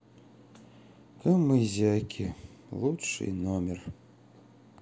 камызяки лучший номер